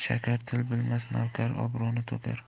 shakar til bilmas navkar obro'ni to'kar